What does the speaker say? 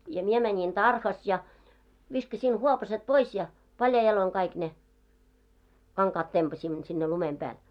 ja minä menin tarhassa ja viskasin huopaset pois ja paljain jaloin kaikki ne kankaat tempasimme sinne lumen päälle